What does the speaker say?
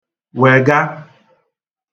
wègà